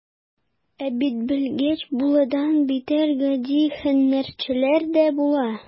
Ә бит белгеч булудан битәр, гади һөнәрчеләр дә була.